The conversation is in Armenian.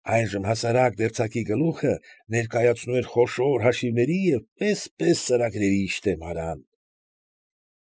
Այժմ հասարակ դերձակի գլուխը ներկայացնում էր խոշոր հաշիվների և պես֊պես ծրագրերի շտեմարան։